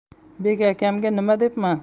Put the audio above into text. bek akamga nima debman